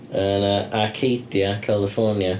Yn yy Arcadia, California.